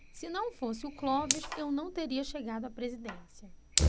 se não fosse o clóvis eu não teria chegado à presidência